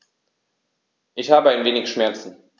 Ich habe ein wenig Schmerzen.